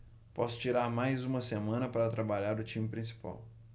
posso tirar mais uma semana para trabalhar o time principal